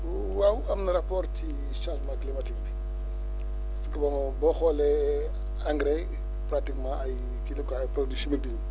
waaw am na rapport ci changement climatique bi parce que bon boo xoolee engrais pratiquement :ra ay kii la quoi ay produits chmiques la ñu